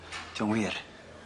'Di o'n wir?